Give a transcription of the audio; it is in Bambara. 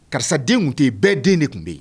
Karisa den tun tɛ yen bɛɛ den de tun bɛ yen